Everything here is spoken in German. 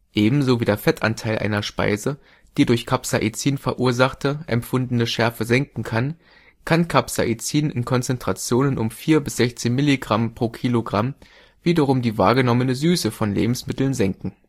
Ebenso wie der Fettanteil einer Speise die durch Capsaicin verursachte, empfundene Schärfe senken kann, kann Capsaicin in Konzentrationen um 4 – 16 mg/kg wiederum die wahrgenommene Süße von Lebensmitteln senken